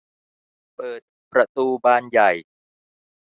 เปิดประตูบานใหญ่